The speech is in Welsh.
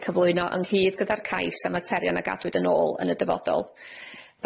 eu cyflwyno ynghyd gyda'r cais a materion a gadwyd yn ôl yn y dyfodol.